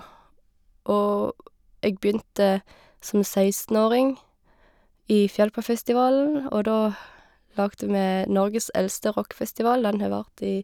Og jeg begynte som sekstenåring i Fjellparkfestivalen, og da laget vi Norges eldste rockfestival, den har vart i...